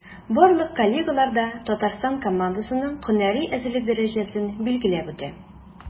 Барлык коллегалар да Татарстан командасының һөнәри әзерлек дәрәҗәсен билгеләп үтә.